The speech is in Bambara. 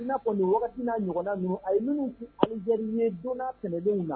Wagati ɲɔgɔn a ye minnu ye don kɛmɛdenw na